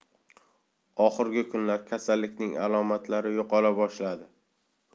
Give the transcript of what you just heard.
oxirgi kunlar kasallikning alomatlari yo'qola boshladi